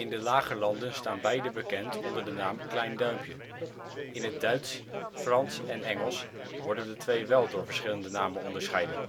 de Lage Landen staan beiden bekend onder de naam Klein Duimpje; in het Duits, Frans en Engels worden de twee wél door verschillende namen onderscheiden